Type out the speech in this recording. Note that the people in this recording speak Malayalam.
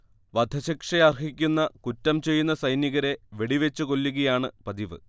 വധശിക്ഷയർഹിക്കുന്ന കുറ്റം ചെയ്യുന്ന സൈനികരെ വെടിവച്ച് കൊല്ലുകയാണ് പതിവ്